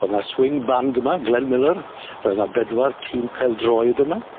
O'dd 'na swing band yma Glenn Miller roedd 'na bedwar tîm pêl-droed yma.